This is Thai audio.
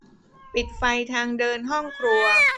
ปิดไฟทางเดินห้องครัว